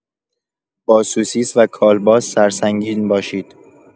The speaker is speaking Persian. با سوسیس و کالباس سرسنگین باشید.